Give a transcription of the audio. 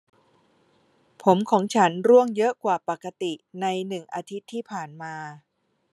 ผมของฉันร่วงเยอะกว่าปกติในหนึ่งอาทิตย์ที่ผ่านมา